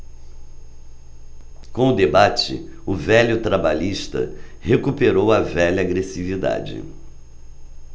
com o debate o velho trabalhista recuperou a velha agressividade